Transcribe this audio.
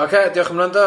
Ocê diolch am wrando